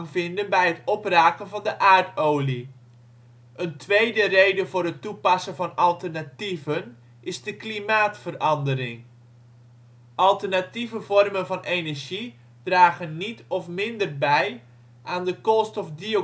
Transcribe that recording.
vinden bij het opraken van de aardolie. Een tweede reden voor het toepassen van alternatieven is de klimaatverandering. Alternatieve vormen van energie dragen niet of minder bij aan de koolstofdioxide-uitstoot, die ontstaat